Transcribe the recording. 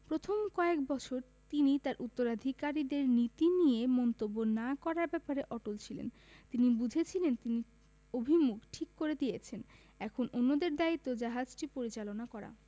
প্রথম কয়েক বছর তিনি তাঁর উত্তরাধিকারীর নীতি নিয়ে মন্তব্য না করার ব্যাপারে অটল ছিলেন তিনি বুঝেছিলেন তিনি অভিমুখ ঠিক করে দিয়েছেন এখন অন্যদের দায়িত্ব জাহাজটি পরিচালনা করা